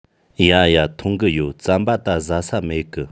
ཡ ཡ འཐུང གི ཡོད རྩམ པ ད ཟ ས མེད གི